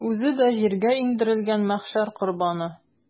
Үзе дә җиргә иңдерелгән мәхшәр корбаны.